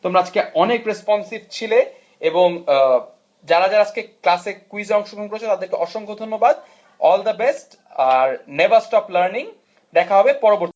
তোমরা আজকে অনেক রেস্পন্সিভ ছিলে এবং যারা যারা আজকে ক্লাসের কুইজে অংশগ্রহণ করেছ তাদেরকে অসংখ্য ধন্যবাদ অল দ্যা বেস্ট আর নেভার স্টপ লার্নিং দেখা হবে পরবর্তীতে